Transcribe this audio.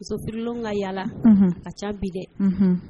Musorilen ka yalala ka ca bi dɛ